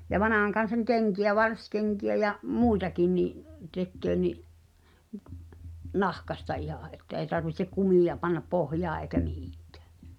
ja vanhan kansan kenkiä varsikenkiä ja muitakin niin tekee niin nahasta ihan että ei tarvitse kumia panna pohjaan eikä mihinkään